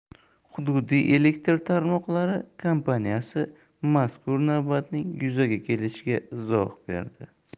hududiy elektr tarmoqlari kompaniyasi mazkur navbatning yuzaga kelishiga izoh berdi